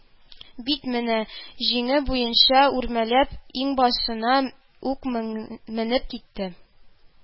Бит әнә: җиңе буенча үрмәләп, иңбашына ук менеп китте